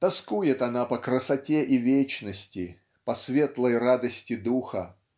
тоскует она по красоте и вечности по светлой радости духа.